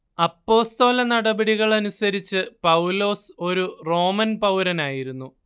അപ്പസ്തോലനടപടികളനുസരിച്ച് പൗലോസ് ഒരു റോമൻ പൗരനായിരുന്നു